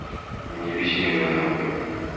не беси меня нахуй